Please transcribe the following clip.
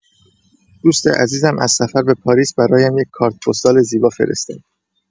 دوست عزیزم از سفر به پاریس برایم یک کارت‌پستال زیبا فرستاد.